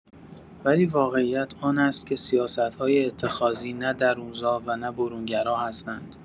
ولی واقعیت آن است که سیاست‌های اتخاذی نه درون‌زا و نه برون‌گرا هستند.